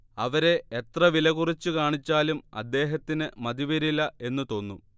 അവരെ എത്ര വിലകുറച്ചുകാണിച്ചാലും അദ്ദേഹത്തിന് മതിവരില്ല എന്നു തോന്നും